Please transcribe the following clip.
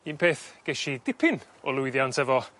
Un peth gesh i dipyn o lwyddiant efo